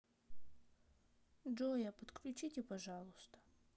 джоя подключите пожалуйста